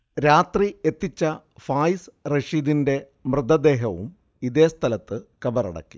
രാത്രി എത്തിച്ച ഫായിസ് റഷീദിന്റെ മൃതദേഹവും ഇതേസ്ഥലത്ത് കബറടക്കി